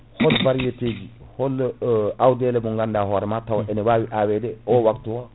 hol variété ji hol awɗele mo ganduɗa hoorema taw ene wawi awede o waptu